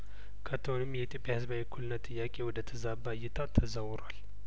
ከቶውንም የኢትዮጵያ ህዝባዊ የእኩልነት ጥያቄ ወደ ተዛባ እይታ ተዛውሯል